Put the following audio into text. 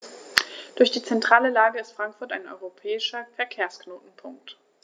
Durch die zentrale Lage ist Frankfurt ein europäischer Verkehrsknotenpunkt.